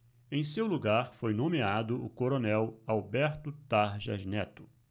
em seu lugar foi nomeado o coronel alberto tarjas neto